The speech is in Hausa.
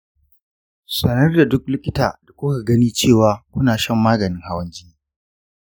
sanar da duk likita da kuka gani cewa kuna shan maganin hawan jini.